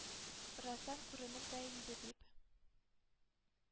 Бераздан, күренер дә инде дип,